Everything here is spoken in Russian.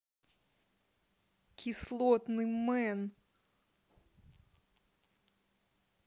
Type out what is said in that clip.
кислотный мэн